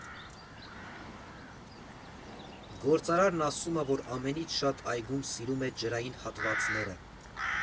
Գործարարն ասում է, որ ամենից շատ այգում սիրում է ջրային հատվածները.